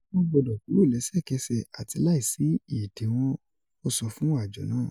"Wọn gbọdọ kúrò lẹsẹkẹsẹ ati laisi idinwọn," o sọ fun ajọ naa.